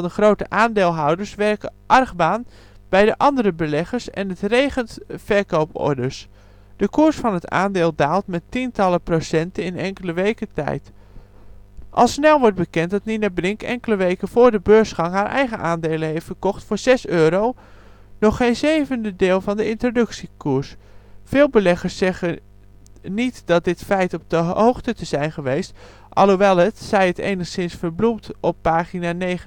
grote aandeelhouders wekken argwaan bij de andere beleggers en het regent verkooporders. De koers van het aandeel daalt met tientallen procenten in enkele weken tijd. Al snel wordt bekend dat Nina Brink enkele weken voor de beursgang haar eigen aandelen heeft verkocht voor zes euro, nog geen zevende deel van de introductiekoers. Veel beleggers zeggen niet van dit feit op de hoogte te zijn geweest, alhoewel het (zij het enigszins verbloemd en op pagina 99